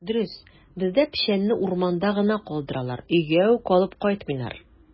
Дөрес, бездә печәнне урманда гына калдыралар, өйгә үк алып кайтмыйлар.